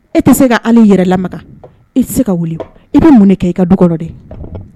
E tɛ se ka yɛrɛ e tɛ se ka i bɛ mun kɛ i ka dukɔrɔ dɛ